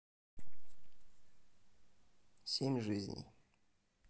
семь жизней